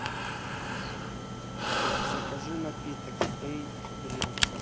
закажи напиток эй дринк